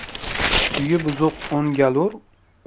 uyi buzuq o'ngalur